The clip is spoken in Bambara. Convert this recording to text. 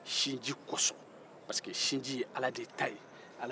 pasike sinji ye ale de ta y e ala de ye sinji da